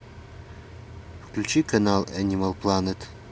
включи канал энимал плэнет